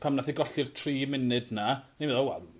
pam nath e golli'r tri munud 'na o'n i'n meddwl wel